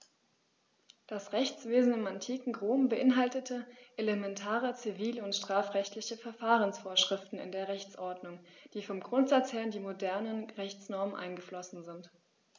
Das Rechtswesen im antiken Rom beinhaltete elementare zivil- und strafrechtliche Verfahrensvorschriften in der Rechtsordnung, die vom Grundsatz her in die modernen Rechtsnormen eingeflossen sind.